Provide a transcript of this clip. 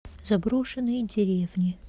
заброшенные деревни